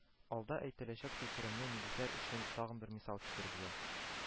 Алда әйтеләчәк фикеремне нигезләр өчен тагын бер мисал китерергә